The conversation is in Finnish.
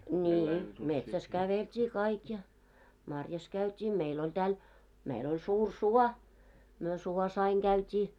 niin metsässä käveltiin kaikki ja marjassa käytiin meillä oli täällä meillä oli suuri suo me suossa aina käytiin